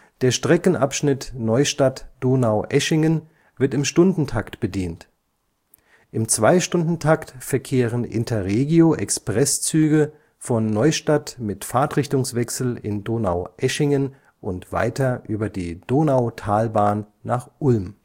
Der Streckenabschnitt Neustadt – Donaueschingen wird im Stundentakt bedient. Im Zweistundentakt verkehren Interregio-Express-Züge von Neustadt mit Fahrtrichtungswechsel in Donaueschingen und weiter über die Donautalbahn nach Ulm